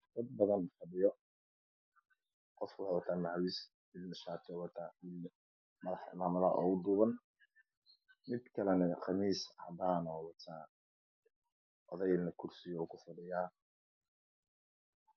Dad badan fadhiyo macwiis wataa cimaamad madaxda oogu duuban mid kale qamiis cadaan uu wataa odayna kursi uu ku fadhiyaan